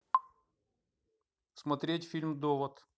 смотреть фильм довод